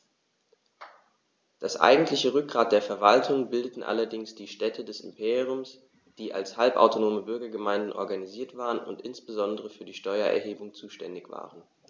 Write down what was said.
Das eigentliche Rückgrat der Verwaltung bildeten allerdings die Städte des Imperiums, die als halbautonome Bürgergemeinden organisiert waren und insbesondere für die Steuererhebung zuständig waren.